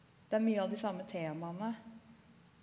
det er mye av de samme temaene.